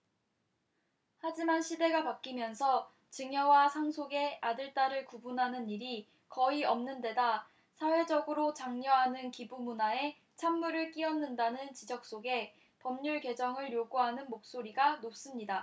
하지만 시대가 바뀌면서 증여와 상속에 아들 딸을 구분하는 일이 거의 없는데다 사회적으로 장려하는 기부문화에 찬물을 끼얹는다는 지적 속에 법률 개정을 요구하는 목소리가 높습니다